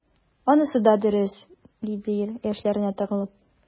Анысы да дөрес,— диде ир, яшьләренә тыгылып.